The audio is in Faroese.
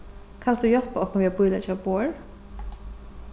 kanst tú hjálpa okkum við at bíleggja borð